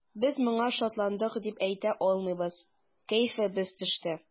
Без моңа шатландык дип әйтә алмыйбыз, кәефебез төште.